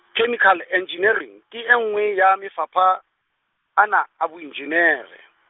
Chemical Engineering ke e nngwe ya Mafapha, ana a Boenjinere.